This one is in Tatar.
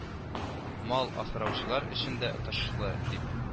Мал асраучылар өчен дә отышлы дип